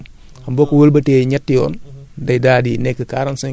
ba yeneen fukki fan ak juróom ba mu mat ñent fukki fan ak juróom